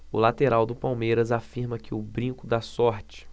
o lateral do palmeiras afirma que o brinco dá sorte